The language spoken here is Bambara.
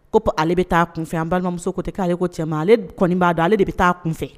Ko ale bɛ taa kun fɛ an balimamuso ko tɛ k'ale ko cɛ ale kɔniɔni b'a don ale de bɛ taa kunfɛ